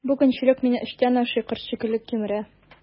Бу көнчелек мине эчтән ашый, корт шикелле кимерә.